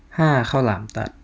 ห้าข้าวหลามตัด